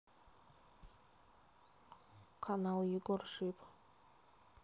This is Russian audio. канал егор шип